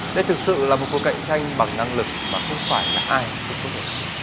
đây thực sự là một cuộc cạnh tranh bằng năng lực mà không phải là ai cũng có thể làm được